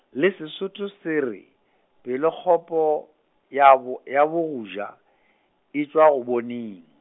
le Sesotho se re, pelokgolo, ya bo, ya bogoja, e tšwa go boning.